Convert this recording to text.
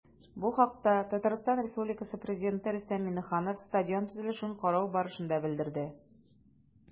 Бу хакта ТР Пррезиденты Рөстәм Миңнеханов стадион төзелешен карау барышында белдерде.